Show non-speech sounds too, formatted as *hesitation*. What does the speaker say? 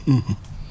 *hesitation* *hesitation*